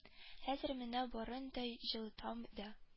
Хәзер менә барын да җылытам да